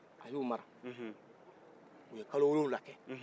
a y'u mara u ye kalo wolowula kɛ